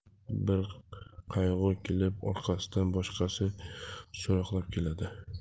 bir qayg'u ketib orqasidan boshqasi so'roqlab keldi